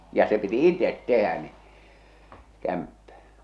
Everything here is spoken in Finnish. ja se piti itse tehdä niin kämppä